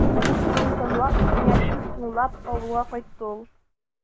Аның сүзен санлап, киңәшен тыңлап, авылга кайтты ул.